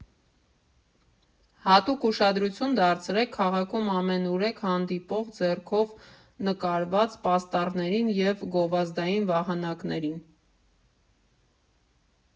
Հատուկ ուշադրություն դարձրեք քաղաքում ամենուրեք հանդիպող, ձեռքով նկարված պաստառներին և գովազդային վահանակներին։